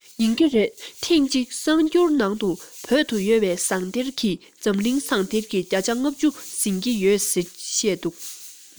ཡིན གྱི རེད ཐེངས གཅིག གསར འགྱུར ནང དུ བོད དུ ཡོད པའི ཟངས གཏེར གྱིས འཛམ གླིང ཟངས གཏེར གྱི བརྒྱ ཆ ལྔ བཅུ ཟིན གྱི ཡོད ཟེར བཤད འདུག